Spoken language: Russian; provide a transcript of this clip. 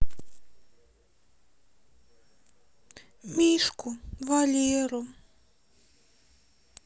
мишку валеру